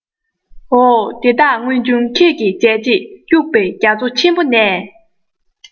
འོ དེ དག སྔོན བྱུང ཁྱོད ཀྱི བྱས རྗེས སྐྱུག པའི རྒྱ མཚོ ཆེན པོ ནས